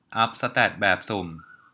อัพแสตทแบบสุ่ม